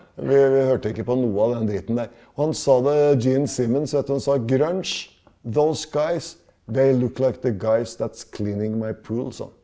vi vi hørte ikke på noe av den driten der, og han sa det Jean Simmons vet du han sa grønsj sa han.